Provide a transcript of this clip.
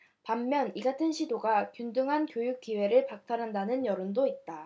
반면 이같은 시도가 균등한 교육기회를 박탈한다는 여론도 있다